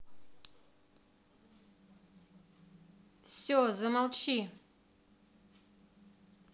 все замолчи